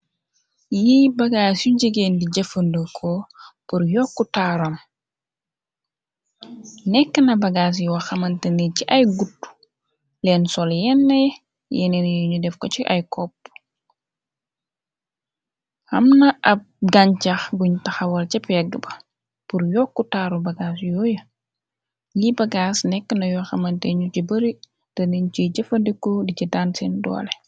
Li bagass you jigeen di jafadeko pur yoko tarom ay gut leen sol yenn yeneen yuñu def ko ci ay kopp amna ab gancax guñ taxawal ca pegg ba bur yokku taaru bagaas yuo ya yi bagaas nekk na yo xamante ñu ci bari teniñ ciy jëfandekkoo di ci daan sen doole.